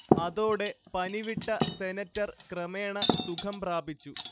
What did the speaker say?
അതോടെ പനിവിട്ട സെനറ്റർ ക്രമേണ സുഖം പ്രാപിച്ചു